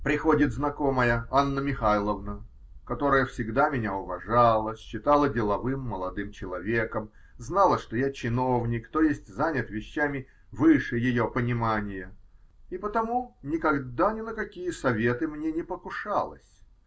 Приходит знакомая Анна Михайловна, которая всегда меня уважала, считала деловым молодым человеком, знала, что я чиновник, то есть занят вещами выше ее понимания, и потому никогда ни на какие советы мне не покушалась.